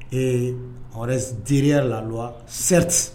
Ee on reste derrière la loi, certes